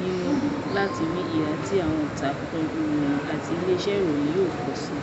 nínú láti rí ìhà tí àwọn ìtàkùn ìròyìn àti ilé iṣẹ́ ìròyìn yóò kọ si.